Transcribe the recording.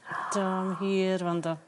Do am hir 'wna do.